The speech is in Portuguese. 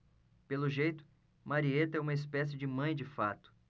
pelo jeito marieta é uma espécie de mãe de fato